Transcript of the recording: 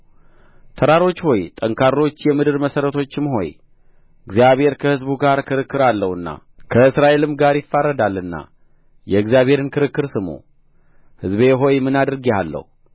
ተራሮች ሆይ ጠንካሮች የምድር መሠረቶችም ሆይ እግዚአብሔር ከሕዝቡ ጋር ክርክር አለውና ከእስራኤልም ጋር ይፋረዳልና የእግዚአብሔርን ክርክር ስሙ ሕዝቤ ሆይ ምን አድርጌሃለሁ